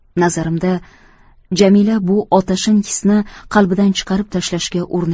nazarimda jamila bu otashin hisni qalbidan chiqarib tashlashga